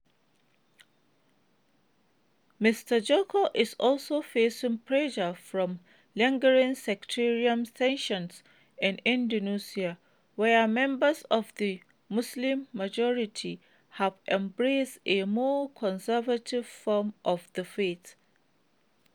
Mr. Joko is also facing pressure from lingering sectarian tensions in Indonesia, where members of the Muslim majority have embraced a more conservative form of the faith.